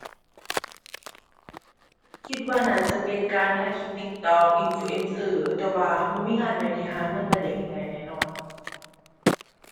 คิดว่าน่าจะเป็นการถ่ายคลิป TikTok influencer แต่ว่าบ่มีงานใดที่หาเงินมาได้ง่ายง่ายแน่นอน